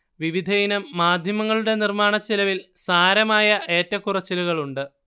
വിവിധയിനം മാധ്യമങ്ങളുടെ നിർമ്മാണച്ചെലവിൽ സാരമായ ഏറ്റക്കുറച്ചിലുകളുണ്ട്